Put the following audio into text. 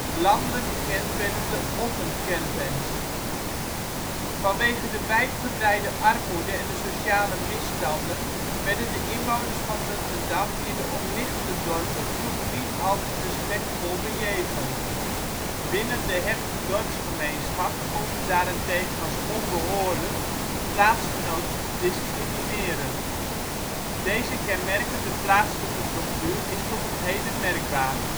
Landelijk bekend werden de Otten-caravans. Vanwege de wijdverbreide armoede en de sociale misstanden werden de inwoners van Muntendam in de omliggende dorpen vroeger niet altijd respectvol bejegend. Binnen de hechte dorpsgemeenschap gold het daarentegen als onbehoorlijk plaatsgenoten te discrimineren. Deze kenmerkende plaatselijke cultuur is tot op heden merkbaar